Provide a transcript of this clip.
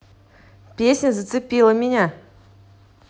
песня зацепила меня